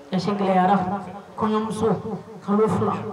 Ɛsi gɛlɛyara kɔɲɔmuso kalo fila